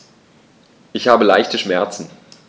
Ich habe leichte Schmerzen.